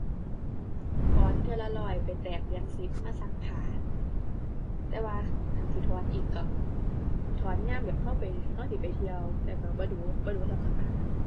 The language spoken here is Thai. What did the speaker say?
ถอนเทื่อละร้อยไปแตกเหรียญสิบมาซักผ้า แต่ว่า คันสิถอนอีกก็ ถอนยามแบบก็ไป ก็สิไปเที่ยว แต่ก็บ่ดู๋ บ่ดู๋ส่ำซักผ้า